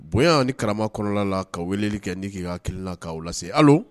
Bonya ni kara kɔnɔnala la ka weleli kɛ niya kelen la k'aw lase hali